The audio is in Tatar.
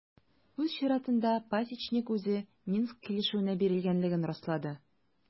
Үз чиратында Пасечник үзе Минск килешүенә бирелгәнлеген раслады.